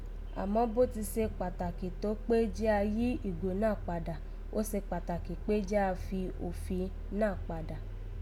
Àmọ́, bó ti se kpàtàkì tó kpé jí a yí ìgo iná kpadà, ó se kpàtàkì kpé jí a yí òfin náà kpadà